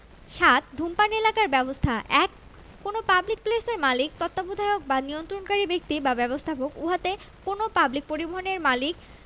৭ ধূমপান এলাকার ব্যবস্থাঃ ১ কোন পাবলিক প্লেসের মালিক তত্ত্বাবধায়ক বা নিয়ন্ত্রণকারী ব্যক্তি বা ব্যবস্থাপক উহাতে এবং কোন পাবলিক পরিবহণের মালিক